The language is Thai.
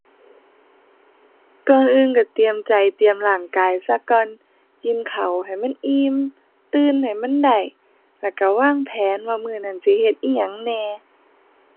ก่อนอื่นก็เตรียมใจ เตรียมร่างกายซะก่อน กินข้าวให้มันอิ่ม ตื่นให้มันได้ แล้วก็วางแผนว่ามื้อนั้นสิเฮ็ดอิหยังแหน่